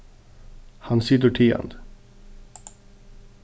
hann situr tigandi